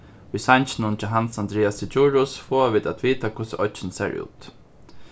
í sanginum hjá hans andreasi djurhuus fáa vit at vita hvussu oyggin sær út